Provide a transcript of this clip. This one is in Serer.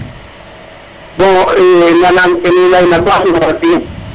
bon nanam kenu ley na